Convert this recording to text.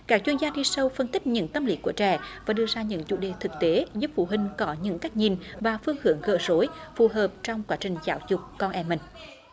các chuyên gia đi sâu phân tích những tâm lý của trẻ và đưa ra những chủ đề thực tế giúp phụ huynh có những cách nhìn và phương hướng gỡ rối phù hợp trong quá trình giáo dục con em mình